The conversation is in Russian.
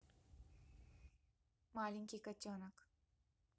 маленький котенок